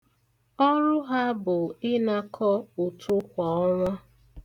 Ọrụ ha bụ ịnakọ ụtụ kwa ọnwa.